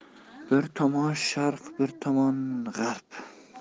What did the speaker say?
bir tomoni sharq bir tomoni g'arb